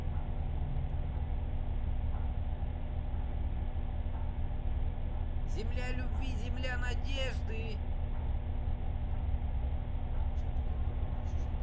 земля любви земля надежды